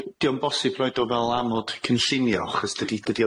D- 'di o'm bosib roid o fel amod cynllunio achos dydi dydi